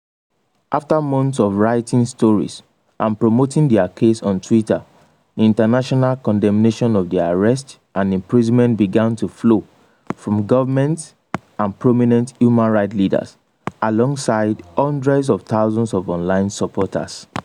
After months of writing stories and promoting their case on Twitter, international condemnation of their arrest and imprisonment began to flow from governments and prominent human rights leaders, alongside hundreds of thousands of online supporters.